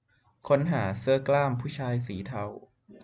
ค้นหาเสื้อกล้ามผู้ชายสีเทา